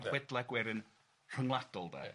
chwedla Gwerin rhyngwladol 'de.